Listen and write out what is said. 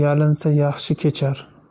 yalinsa yaxshi kechar